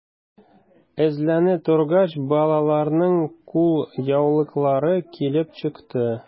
Эзләнә торгач, балаларның кулъяулыклары килеп чыкты.